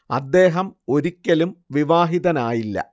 അദ്ദേഹം ഒരിക്കലും വിവാഹിതനായില്ല